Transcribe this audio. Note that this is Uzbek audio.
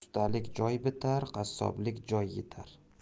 ustalik joy bitar qassoblik joy yitar